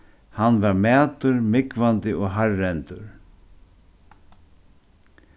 hann var mætur múgvandi og harðrendur